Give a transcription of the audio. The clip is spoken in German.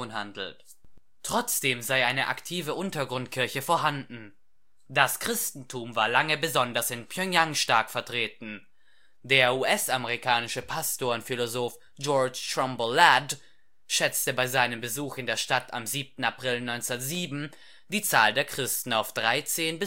handelt. Trotzdem sei eine aktive Untergrundkirche vorhanden. Das Christentum war lange besonders in Pjöngjang stark vertreten. Der US-amerikanische Pastor und Philosoph George Trumbull Ladd (1842 – 1921) schätzte bei seinem Besuch in der Stadt am 7. April 1907 die Zahl der Christen auf 13.000